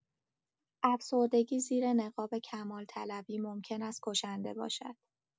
افسردگی زیر نقاب کمال‌طلبی ممکن است کشنده باشد.